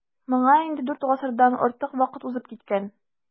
Моңа инде дүрт гасырдан артык вакыт узып киткән.